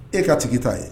E ka tigi ta ye